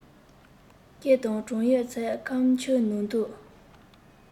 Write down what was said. སྐེ དང བྲང ཡོད ཚད ཁམ ཆུས ནོག འདུག